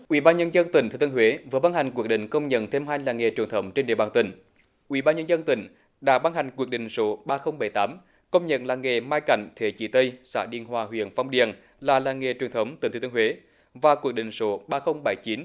ủy ban nhân dân tỉnh thừa thiên huế vừa ban hành quyết định công nhận thêm hai làng nghề truyền thống trên địa bàn tỉnh ủy ban nhân dân tỉnh đã ban hành quyết định số ba không bảy tám công nhận làng nghề mai cảnh thế chí tây xã điền hòa huyện phong điền là làng nghề truyền thống tỉnh thừa thiên huế và quyết định số ba không bảy chín